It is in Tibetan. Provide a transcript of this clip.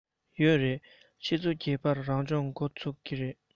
ཡོད རེད ཆུ ཚོད བརྒྱད པར རང སྦྱོང འགོ ཚུགས ཀྱི རེད